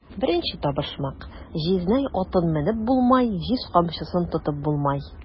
Беренче табышмак: "Җизнәй атын менеп булмай, җиз камчысын тотып булмай!"